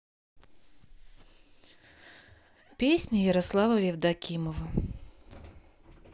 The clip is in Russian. песни ярослава евдокимова